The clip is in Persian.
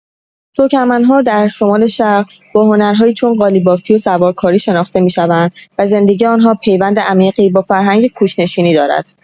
ترکمن‌ها در شمال‌شرق، با هنرهایی چون قالی‌بافی و سوارکاری شناخته می‌شوند و زندگی آنها پیوند عمیقی با فرهنگ کوچ‌نشینی دارد.